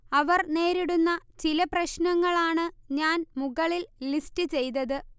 അവർ നേരിടുന്ന ചില പ്രശ്നങ്ങൾ ആണ് ഞാൻ മുകളിൽ ലിസ്റ്റ് ചെയ്തത്